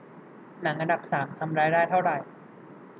หนังอันดับสามทำรายได้เท่าไหร่